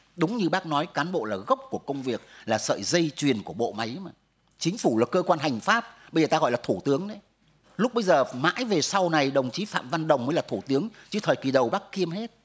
đúng như bác nói cán bộ là gốc của công việc là sợi dây chuyền của bộ máy chính phủ là cơ quan hành pháp bây ta gọi là thủ tướng đấy lúc bấy giờ mãi về sau này đồng chí phạm văn đồng mới là thủ tướng chứ thời kỳ đầu bác kiêm hết